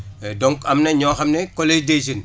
donc am na ñoo xam ne collège des jeunes